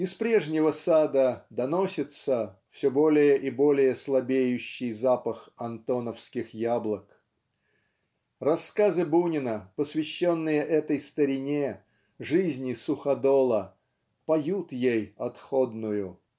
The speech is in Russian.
Из прежнего сада доносится все более и более слабеющий запах "антоновских яблок". Рассказы Бунина посвященные этой старине жизни "Суходола" поют ей отходную.